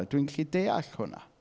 A dwi'n gallu deall hwnna.